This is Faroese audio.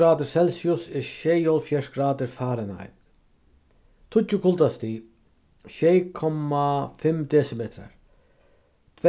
gradir celsius er sjeyoghálvfjerðs gradir fahrenheit tíggju kuldastig sjey komma fimm desimetrar